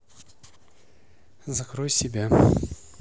закрой себя